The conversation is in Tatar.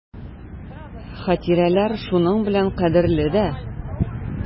Хатирәләр шуның белән кадерле дә.